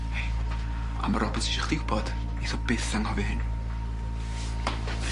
Hei a ma' Roberts isio chdi wbod neith o byth anghofio hyn.